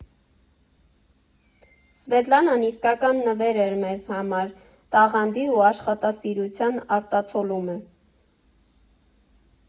Սվետլանան իսկական նվեր էր մեզ համար՝ տաղանդի ու աշխատասիրության արտացոլում է։